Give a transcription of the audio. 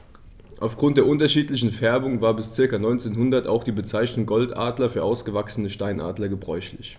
Auf Grund der unterschiedlichen Färbung war bis ca. 1900 auch die Bezeichnung Goldadler für ausgewachsene Steinadler gebräuchlich.